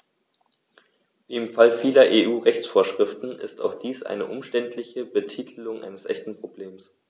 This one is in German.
Wie im Fall vieler EU-Rechtsvorschriften ist auch dies eine umständliche Betitelung eines echten Problems.